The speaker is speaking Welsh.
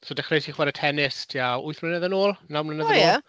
So dechreuais i chwarae tenis tua wyth mlynedd yn ôl, naw mlynedd... o ie. ...yn ôl.